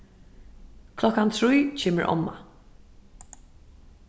klokkan trý kemur omma